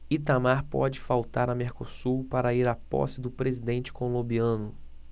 itamar pode faltar a mercosul para ir à posse do presidente colombiano